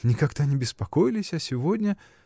Никогда не беспокоились, а сегодня?.